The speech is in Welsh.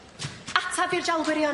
Atab i'r jiawl gwirion.